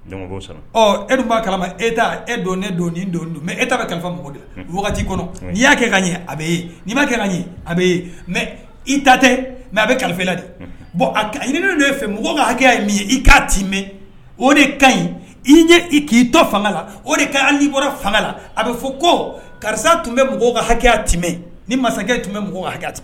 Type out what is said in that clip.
E dun b'a kala e e dɔn ne don ni don don mɛ e ta ka kalifa wagati kɔnɔ ni'a kɛ ka ɲɛ a n'i ma kɛ a bɛ mɛ i ta tɛ mɛ a bɛ kalifafela dɛ bɔn a i ne don fɛ mɔgɔ ka hakɛya ye min ye i k'a timɛ o de ka ɲi i ɲɛ i k ii tɔ fanga la o de ka bɔra fanga la a bɛ fɔ ko karisa tun bɛ mɔgɔw ka hakɛya tɛmɛmɛ ni masakɛ tun bɛ mɔgɔ hakɛya tɛmɛ